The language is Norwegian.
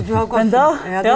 men da ja.